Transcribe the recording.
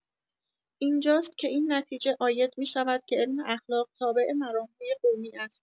اینجاست که این نتیجه عاید می‌شود که علم اخلاق تابع مرام‌های قومی است